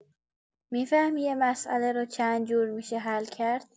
می‌فهمی یه مسئله رو چند جور می‌شه حل کرد.